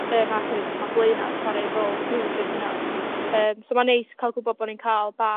y na sori ma' Bleuna yn chwara' rôl huge yn hynna ymm so ma'n neis ca'l gw'bo' bo' ni'n ca'l bach